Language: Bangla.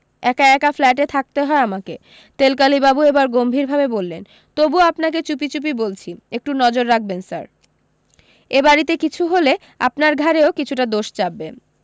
একা একা ফ্ল্যাটে থাকতে হয় আমাকে তেলকালিবাবু এবার গম্ভীরভাবে বললেন তবু আপনাকে চুপি চুপি বলছি একটু নজর রাখবেন স্যার এবাড়িতে কিছু হলে আপনার ঘাড়েও কিছুটা দোষ চাপবে